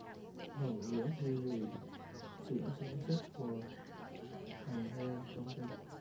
ngọn lửa thiêu rụi xưởng sản xuất và tầng hai công ty